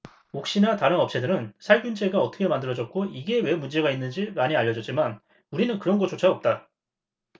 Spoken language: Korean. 옥시나 다른 업체들은 살균제가 어떻게 만들어졌고 이게 왜 문제가 있는지 많이 알려졌지만 우리는 그런 것조차 없다